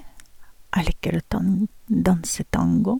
Jeg liker å tan danse tango.